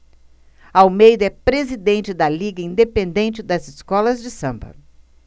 almeida é presidente da liga independente das escolas de samba